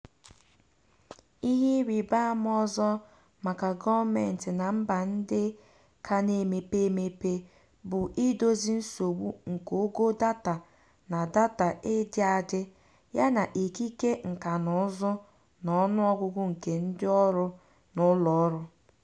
Ihe ịrịbaama ọzọ maka gọọmentị na mba ndị ka na-emepe emepe bụ idozi nsogbu nke ogo data na data ịdị adị, yana ikike nkànaụzụ na ọnụọgụgụ nke ndịọrụ na ụlọọrụ.